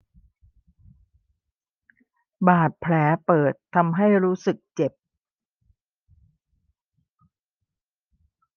บาลแผลเปิดทำให้รู้สึกเจ็บ